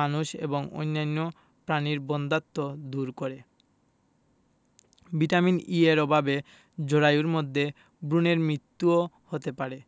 মানুষ এবং অন্যান্য প্রাণীর বন্ধ্যাত্ব দূর করে ভিটামিন E এর অভাবে জরায়ুর মধ্যে ভ্রুনের মৃত্যুও হতে পারে